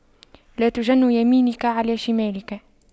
لا تجن يمينك على شمالك